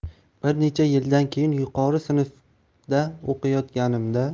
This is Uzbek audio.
bir necha yildan keyin yuqori sinfda o'qiyotganimda